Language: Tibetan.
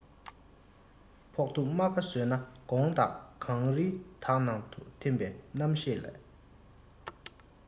ཕོག ཐུག རྨ ཁ བཟོས ན དགོངས དག གངས རིའི དག སྣང དུ ཐིམ པའི རྣམ ཤེས ལ